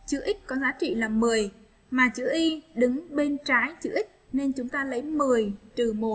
chữ x có giá trị là mà chữ y đứng bên trái chữa nên chúng ta lấy